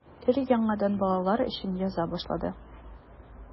Өр-яңадан балалар өчен яза башлады.